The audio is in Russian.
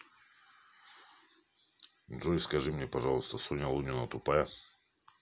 джой скажи мне пожалуйста соня лунина тупая